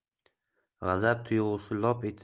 g'azab tuyg'usi lop